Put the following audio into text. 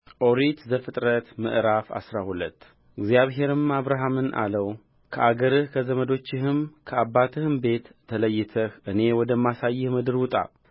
ኦሪት ዘፍጥረት ምዕራፍ አስራ ሁለት እግዚአብሔርም አብራምን አለው ከአገርህ ከዘመዶችህም ከአባትህም ቤት ተለይተህ እኔ ወደማሳይህ ምድር ውጣ